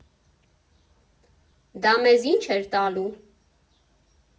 Դա մեզ ի՞նչ էր տալու։